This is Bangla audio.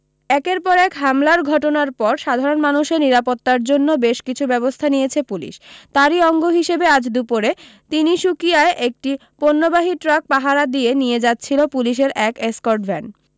একের পর এক হামলার ঘটনার পর সাধারণ মানুষের নিরাপত্তার জন্য বেশ কিছু ব্যবস্থা নিয়েছে পুলিশ তারি অঙ্গ হিসেবে আজ দুপুরে তিনিসুকিয়ায় একটি পণ্যবাহী ট্রাক পাহারা দিয়ে নিয়ে যাচ্ছিল পুলিশের একটি এসকর্ট ভ্যান